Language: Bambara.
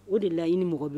O de la iɲini ni mɔgɔ bɛ